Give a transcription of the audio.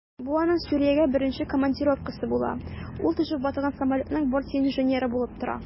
Бу аның Сүриягә беренче командировкасы була, ул төшеп ватылган самолетның бортинженеры булып тора.